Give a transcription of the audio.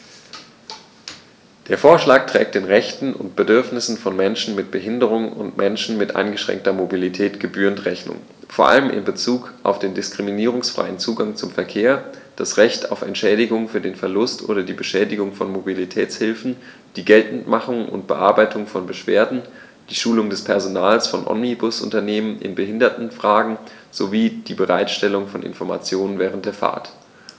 Der Vorschlag trägt den Rechten und Bedürfnissen von Menschen mit Behinderung und Menschen mit eingeschränkter Mobilität gebührend Rechnung, vor allem in Bezug auf den diskriminierungsfreien Zugang zum Verkehr, das Recht auf Entschädigung für den Verlust oder die Beschädigung von Mobilitätshilfen, die Geltendmachung und Bearbeitung von Beschwerden, die Schulung des Personals von Omnibusunternehmen in Behindertenfragen sowie die Bereitstellung von Informationen während der Fahrt.